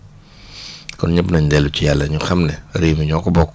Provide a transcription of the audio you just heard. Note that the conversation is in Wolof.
kon ñëpp nañ dellu ci yàlla ñu xam ne réew mi ñoo ko bokk